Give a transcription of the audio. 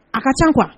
A ka ca quoi